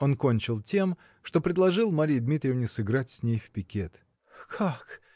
он кончил тем, что предложил Марье Дмитриевне сыграть с ней в пикет. "Как!